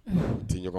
Di ɲɔgɔn